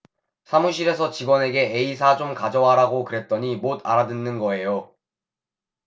사무실에서 직원에게 에이사 좀 가져와라고 그랬더니 못 알아듣더라는 거예요